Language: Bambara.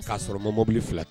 K'a sɔrɔ ma mobili fila tɛ